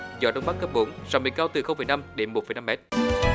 gió đông bắc cấp bốn sóng biển cao từ không phẩy năm đến bốn phẩy năm mét